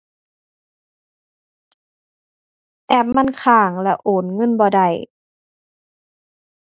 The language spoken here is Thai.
แอปมันค้างแล้วโอนเงินบ่ได้